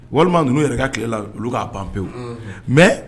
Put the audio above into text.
Walima ninnu yɛrɛ ka tilala olu k'a ban pewu mɛ